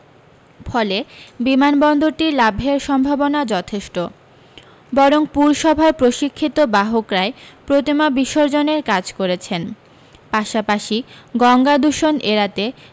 ফলে বিমানবন্দরটির লাভের সম্ভাবনা যথেষ্ট বরং পুরসভার প্রশিক্ষিত বাহকরাই প্রতিমা বিসর্জনের কাজ করেছেন পাশাপাশি গঙ্গা দূষণ এড়াতে